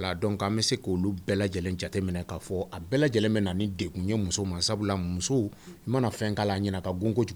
Dɔn k bɛ se k' bɛɛ lajɛlen'a fɔ a bɛɛ lajɛlen bɛ de tun ye muso ma sabula muso mana fɛn k' ɲɛna ka g kojugu